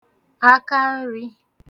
akanrī